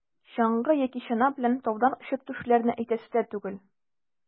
Чаңгы яки чана белән таудан очып төшүләрне әйтәсе дә түгел.